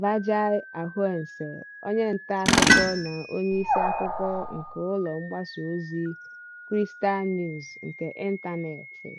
Virgile Ahouansè, onye ntaakụkọ na onye isi akụkọ nke ụlọ mgbasaozi 'Crystal News' nke ịntanetị.